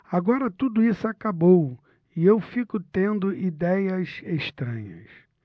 agora tudo isso acabou e eu fico tendo idéias estranhas